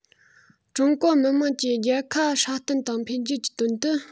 ཀྲུང གོ མི དམངས ཀྱི རྒྱལ ཁ སྲ བརྟན དང འཕེལ རྒྱས ཀྱི དོན དུ